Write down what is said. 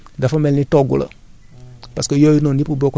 mais ci biir wëlbati boobu nga koy wëlbati compost bi